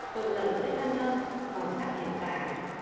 trộn lẫn với thanh âm màu sắc hiện tại